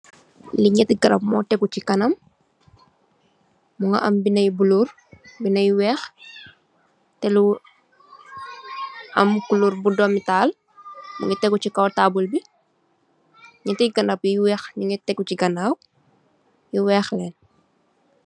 Li nëtt garab mo tégu ci kanam. Mo am binda yu bulo, binda yu weeh, tè lu am kulóor bu doomutal mungi tégu ci kaw taabl bi. Ñetti garab yu weeh nungi tégu ci gannaw, yu weeh leen.